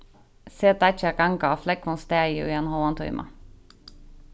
set deiggið at ganga á flógvum staði í ein hálvan tíma